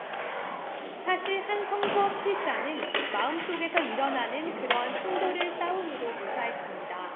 사실 한 성서 필자는 마음속에서 일어나는 그러한 충돌을 싸움으로 묘사했습니다